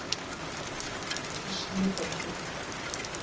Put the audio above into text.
тишины хочу